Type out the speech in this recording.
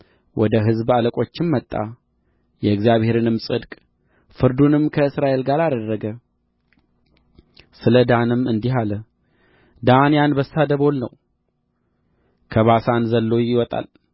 ወደ ሕዝብ አለቆችም መጣ የእግዚአብሔርንም ጽድቅ ፍርዱንም ከእስራኤል ጋር አደረገ ስለ ዳንም እንዲህ አለ ዳን የአንበሳ ደቦል ነው ከባሳን ዘልሎ ይወጣል